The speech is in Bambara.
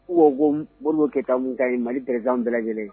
U olu'o kɛ taa'kan ɲi mali perejan bɛɛ lajɛlen